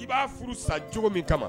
I b'a furu san cogo min kama